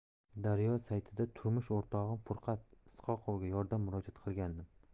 daryo saytida turmush o'rtog'im furqat isoqovga yordam murojaat qilgandim